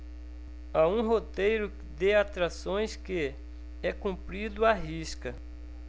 há um roteiro de atrações que é cumprido à risca